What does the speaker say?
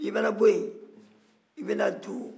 i mana bɔ yen i bɛ na too